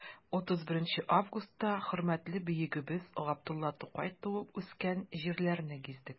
31 августта хөрмәтле бөегебез габдулла тукай туып үскән җирләрне гиздек.